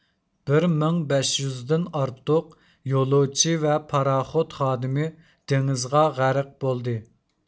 بىر مىڭ بەش يۈزدىن ئارتۇق يولۇچى ۋە پاراخوت خادىمى دېڭىزغا غەرق بولدى